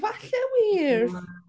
Falle wir!